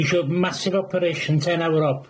Isio massive operation. Ten hour op.